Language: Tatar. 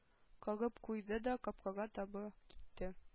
Кагып куйды да капкага таба китте.